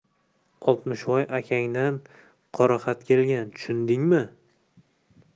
oltmishvoy akangdan qoraxat kelgan tushundingmi